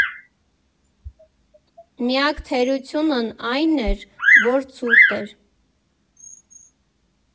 Միակ թերությունն այն էր, որ ցուրտ էր։